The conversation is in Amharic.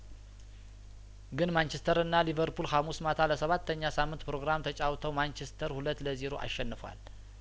ግን ማንቸስተርና ሊቨርፑል ሀሙስ ማታ ለሰባተኛ ሳምንት ፕሮግራም ተጫውተው ማንቸስተር ሁለት ለዜሮ አሸንፏል